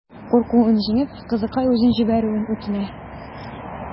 Куркуын җиңеп, кызыкай үзен җибәрүен үтенә.